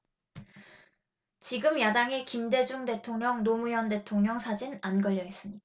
지금 야당에 김대중 대통령 노무현 대통령 사진 안 걸려 있습니까